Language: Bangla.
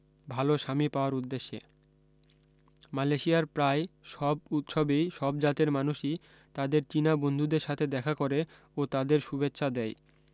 ভালো স্বামী পাওয়ার উদ্দেশ্যে মালয়েশিয়ার প্রায় সব উৎসবেই সব জাতের মানুষই তাদের চীনা বন্ধুদের সাথে দেখা করে ও তাদের শুভেচ্ছা দেয়